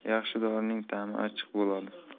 yaxshi dorining tami achchiq bo'ladi